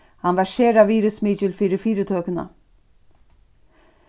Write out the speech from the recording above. hann var sera virðismikil fyri fyritøkuna